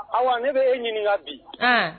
Awa ne bɛ e ɲininka bi. An?